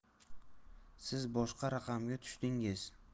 siz boshqa raqamga tushdingiz